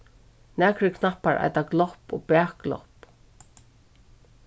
nakrir knappar eita glopp og bakglopp